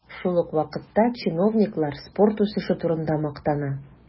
Шул ук вакытта чиновниклар спорт үсеше турында мактана.